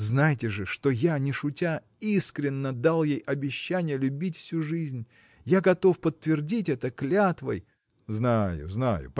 Знайте же, что я, не шутя, искренно дал ей обещание любить всю жизнь я готов подтвердить это клятвой. – Знаю, знаю!